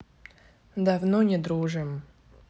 давно не дружим